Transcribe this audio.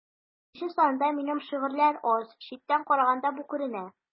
Җиденче санда минем шигырьләр аз, читтән караганда бу күренә.